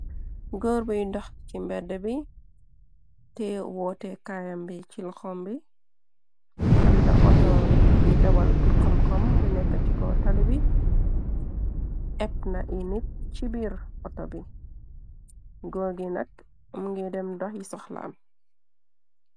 Gorre bui dox ci mbeddu bi, tiyeh wohte kaayam bi cii lokhom bi, amna autor biy dawal pur komkom bi nekk chi kaw tali bi, ehhp na ee nit chi biir autor bi, gór gui nak mungeh dem dokhi sokhlam.